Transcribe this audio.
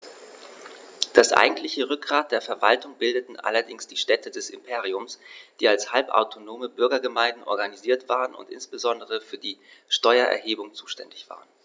Das eigentliche Rückgrat der Verwaltung bildeten allerdings die Städte des Imperiums, die als halbautonome Bürgergemeinden organisiert waren und insbesondere für die Steuererhebung zuständig waren.